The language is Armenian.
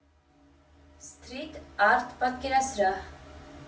Սթրիթ արտ պատկերասրահ։